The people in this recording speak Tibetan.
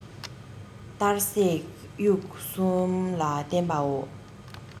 གཏར སྲེག བྱུག གསུམ ལ བརྟེན པའོ